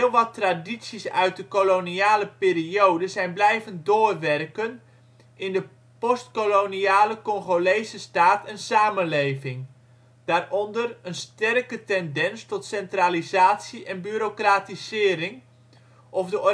wat tradities uit de koloniale periode zijn blijven doorwerken in de post-koloniale Congolese staat en samenleving. Daaronder: een sterke tendens tot centralisatie en bureaucratisering, of de organisatie-structuur